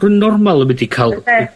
rywun normal yn mynd i ca'l... Dyna fe...